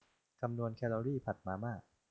คำนวณแคลอรี่ผัดมาม่า